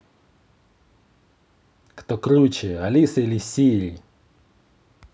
кто круче алиса или сири